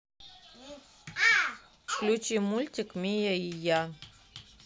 включи мультик мия и я